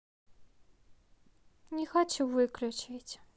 не хочу выключить